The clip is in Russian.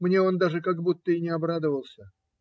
Мне он даже как будто и не обрадовался.